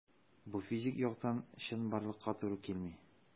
Бу физик яктан чынбарлыкка туры килми.